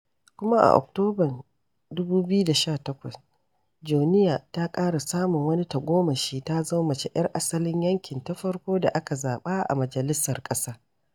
Kuma a Oktoban 2018, Joenia ta ƙara samun wani tagomashin, ta zama mace 'yar asalin yankin ta farko da aka zaɓa a majalisar ƙasa.